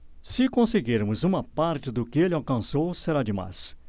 se conseguirmos uma parte do que ele alcançou será demais